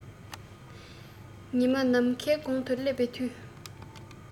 ཉི མ ནམ མཁའི དགུང དུ སླེབས པའི དུས